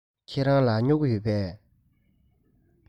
ཁྱེད རང ལ སྨྱུ གུ ཡོད པས